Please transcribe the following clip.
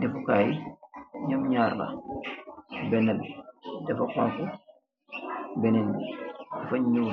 dehfu kaii yi njom njarr la, bena bii dafa honhu, benen bi dafa njull.